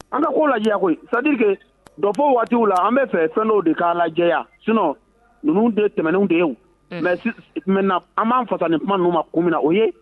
An ka k'o lajɛ koyi sadike dɔbo waati la an bɛ fɛ sanuw de k'a la lajɛya sunɔ ninnu de tɛmɛnenw de mɛ tɛm na an b'an fasa ni kuma'u ma ko minna na o ye